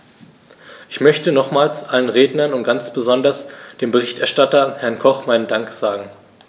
Ich möchte nochmals allen Rednern und ganz besonders dem Berichterstatter, Herrn Koch, meinen Dank sagen.